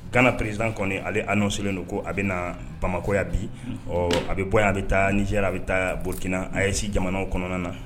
Gana pererizd kɔni ale an' selenlen don ko a bɛ na bamakɔya bi ɔ a bɛ bɔ a bɛ taa a bɛ taa bolikina a y'a si jamana kɔnɔna na